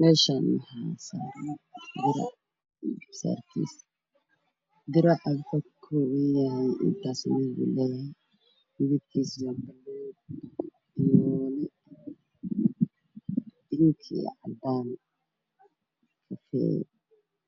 Waxaa yaalo dirac midabkiisu waa madow yahay haddaan